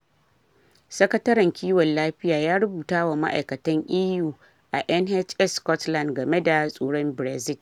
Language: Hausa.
Sakataren kiwon lafiya ya rubuta wa ma'aikatan EU a NHS Scotland game da tsoron Brexit